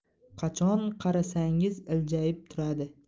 qachon qarasangiz iljayib turadi